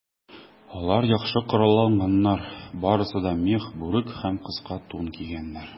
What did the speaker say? Алар яхшы коралланганнар, барысы да мех бүрек һәм кыска тун кигәннәр.